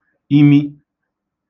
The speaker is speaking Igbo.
imi